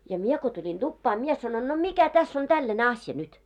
ja minä kun tulin tupaan minä sanoin no mikä tässä on tällainen asia nyt